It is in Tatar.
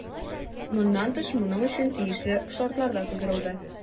Моннан тыш, моның өчен тиешле шартлар да тудырылды.